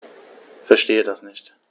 Verstehe das nicht.